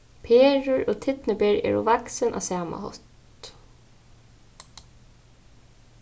perur og tyrniber eru vaksin á sama hátt